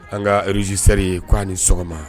An ka ruzsri ye k' a ni sɔgɔma